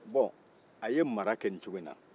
bɔn a ye mara kɛ nin cogo in na